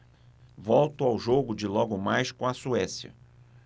volto ao jogo de logo mais com a suécia